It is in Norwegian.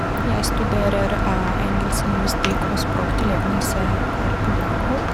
Jeg studerer engelsk lingvistikk og språktilegnelse her på Dragvoll.